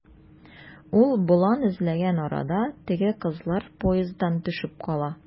Ул болан эзләгән арада, теге кызлар поезддан төшеп кала.